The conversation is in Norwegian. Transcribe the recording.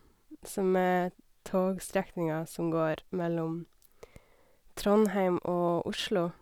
Som er togstrekninga som går mellom Trondheim og Oslo.